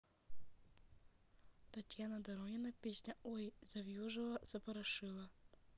татьяна доронина песня ой завьюжило запорошило